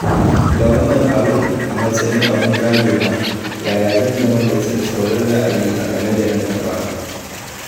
Da wannan a matsayin abun gado na, yaya zan zama mai tsatsauran ra’ayi a game da nan gaba ba?”